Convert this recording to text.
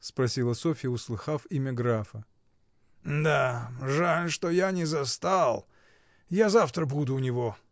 — спросила Софья, услыхав имя графа. — Да; жаль, что не застал. Я завтра буду у него.